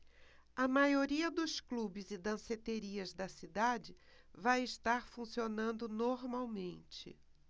a maioria dos clubes e danceterias da cidade vai estar funcionando normalmente